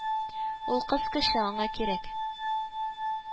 Ул кыз кеше, аңа кирәк